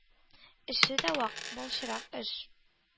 Эше дә вак, былчырак эш,